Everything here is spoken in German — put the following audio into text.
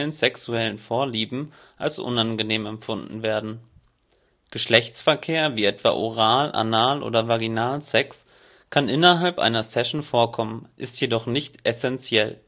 sexuellen Vorliebe als unangenehm empfunden werden. Geschlechtsverkehr wie etwa Oral -, Anal - oder Vaginalsex kann innerhalb einer Session vorkommen, ist jedoch nicht essentiell